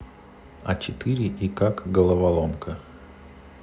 а четыре и как головоломка